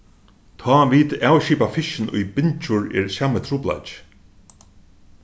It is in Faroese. tá vit avskipa fiskin í bingjur er sami trupulleiki